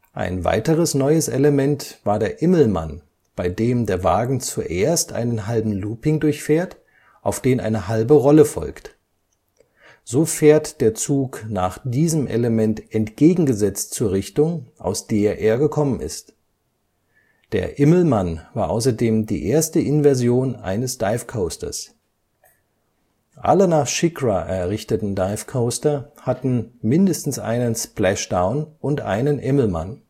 Ein weiteres neues Element war der Immelmann, bei dem der Wagen zuerst einen halben Looping durchfährt, auf den eine halbe Rolle folgt. So fährt der Zug nach diesem Element entgegengesetzt zur Richtung, aus der er gekommen ist. Der Immelmann war außerdem die erste Inversion eines Dive Coasters. Alle nach SheiKra errichteten Dive Coaster hatten mindestens einen Splashdown und einen Immelmann